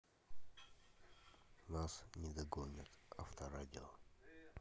нас не догонят авторадио